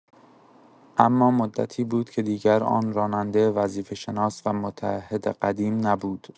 اما مدتی بود که دیگر آن راننده وظیفه‌شناس و متعهد قدیم نبود.